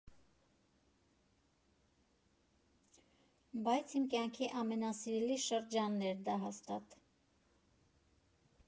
Բայց իմ կյանքի ամենասիրելի շրջանն էր, դա հաստատ։